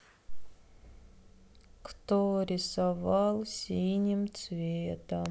кто рисовал синим цветом